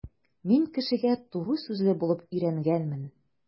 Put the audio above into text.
Мин кешегә туры сүзле булып өйрәнгәнмен.